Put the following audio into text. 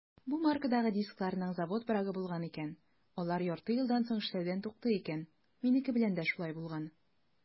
Бу маркадагы дискларның завод брагы булган икән - алар ярты елдан соң эшләүдән туктый икән; минеке белән дә шулай булган.